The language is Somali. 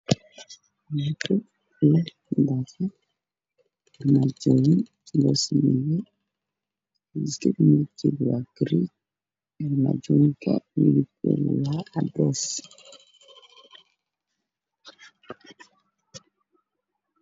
Waa kushiinka jakada cuntada loo karto waxa ay leedahay qaanado waxa ay leedahay tuubada biyaha lagu shubo